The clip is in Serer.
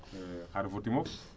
xar refo timof